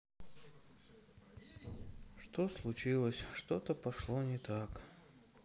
что случилось что то пошло не так